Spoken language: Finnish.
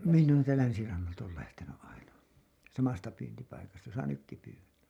minä olen täältä länsirannalta olen lähtenyt aina samasta pyyntipaikasta jossa nytkin pyydämme